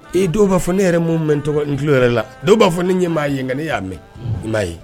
Ee dɔw b'a fɔ ne yɛrɛ mun mɛn tɔgɔ n tulolo yɛrɛ la dɔw b'a fɔ ne ɲɛ maaa ye nka ne y'a mɛn n'a ye